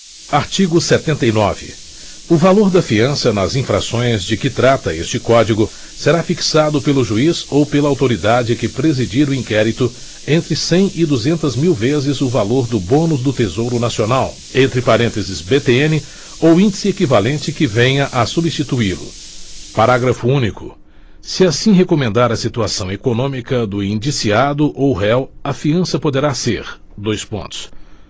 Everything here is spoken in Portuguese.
artigo setenta e nove o valor da fiança nas infrações de que trata este código será fixado pelo juiz ou pela autoridade que presidir o inquérito entre cem e duzentas mil vezes o valor do bônus do tesouro nacional entre parênteses btn ou índice equivalente que venha a substituílo parágrafo único se assim recomendar a situação econômica do indiciado ou réu a fiança poderá ser dois pontos